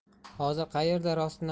hozir qayerda rostini